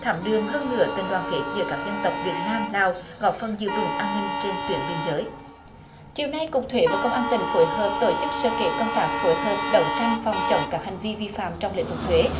thắm đượm hơn nữa tình đoàn kết giữa các dân tộc việt nam lào góp phần giữ vững an ninh trên tuyến biên giới chiều nay cục thuế với công an tỉnh phối hợp tổ chức sơ kết công tác phối hợp đấu tranh phòng chống các hành vi vi phạm trong lĩnh vực thuế